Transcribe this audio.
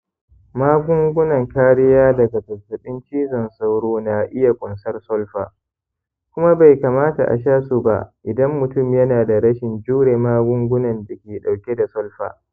magungunan kariya daga zazzaɓin cizon sauro na iya ƙunsar sulfa, kuma bai kamata a sha su ba idan mutum yana da rashin jure magungunan da ke ɗauke da sulfa.